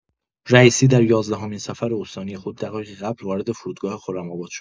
رئیسی در یازدهمین سفر استانی خود دقایقی قبل وارد فرودگاه خرم‌آباد شد.